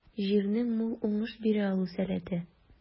Җирнең мул уңыш бирә алу сәләте.